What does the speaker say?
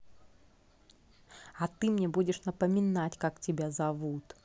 а ты мне будешь напоминать как тебя зовут